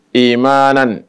I ma